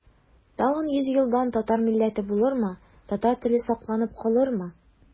Тагын йөз елдан татар милләте булырмы, татар теле сакланып калырмы?